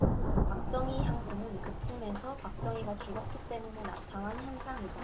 박정희 향수는 그쯤에서 박정희가 죽었기 때문에 나타난 현상이다